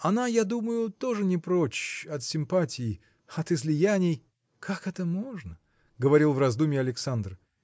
она, я думаю, тоже не прочь от симпатии. от излияний. – Как это можно? – говорил в раздумье Александр.